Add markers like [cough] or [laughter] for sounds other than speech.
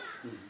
[hesitation] [hesitation]